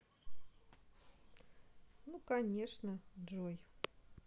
ну конечно джой